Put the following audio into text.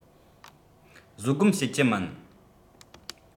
བཟོད སྒོམ བྱེད ཀྱི མིན